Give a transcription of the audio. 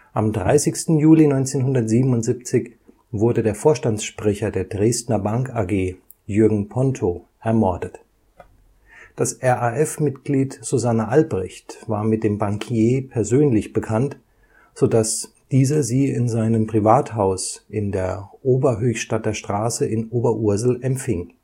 Am 30. Juli 1977 wurde der Vorstandssprecher der Dresdner Bank AG Jürgen Ponto ermordet. Das RAF-Mitglied Susanne Albrecht war mit dem Bankier persönlich bekannt, sodass dieser sie in seinem Privathaus in der Oberhöchstadter Straße in Oberursel empfing